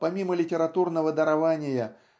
помимо литературного дарования